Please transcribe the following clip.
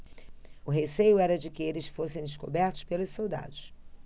o receio era de que eles fossem descobertos pelos soldados